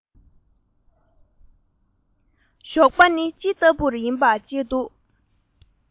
ཞོགས པ ནི ཅི ལྟ བུར ཡིན པ བརྗེད འདུག